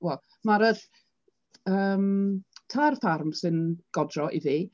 Wel, ma'r yr yym tair ffarm sy'n godro i fi.